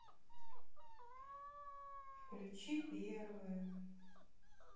включи первое